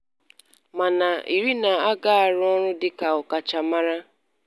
Mana Irina agaghị arụ ọrụ dịka ọkachamara.